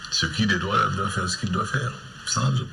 Sokɛki de dɔw dɔ fɛ sigi dɔ fɛ yan fisa don